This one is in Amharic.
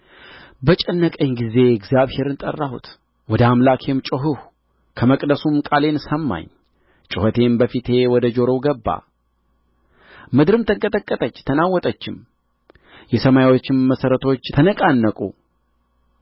በጨነቀኝ ጊዜ እግዚአብሔርን ጠራሁት ወደ አምላኬም ጮኽሁ ከመቅደሱም ቃሌን ሰማኝ ጩኸቴም በፊቱ ወደ ጆሮው ገባ ምድርም ተንቀጠቀጠች ተናወጠችም የሰማዮችም መሠረቶች ተነቃነቁ